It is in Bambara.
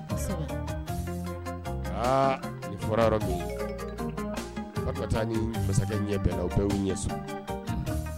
Aa ni fɔra yɔrɔ min Fatumata ni masakɛ ɲɛ bɛn na. U bɛɛ yu ɲɛ sulu.